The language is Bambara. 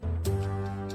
Tora